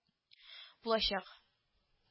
Булачак